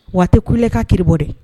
Waati kulɛ ka kibɔ dɛ